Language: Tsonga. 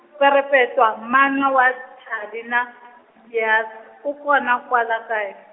Perepetwa mana wa Chali na Nkiyas-, ko kona kwala kaya.